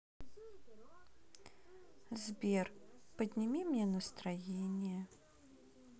сбер подними мне настроение